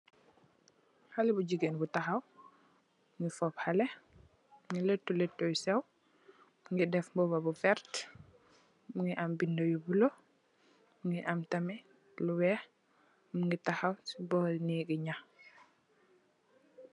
Xalèh bu jigeen bu taxaw fob xalèh lèttu lèttu yu séw mugii def bópa bu werta, mugii am bindé yu bula mugii am tamit lu wèèx mugii taxaw ci bóri nèk gi ñax.